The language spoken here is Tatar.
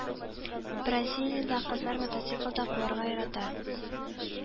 Бразилиядә кызлар мотоциклда куарга ярата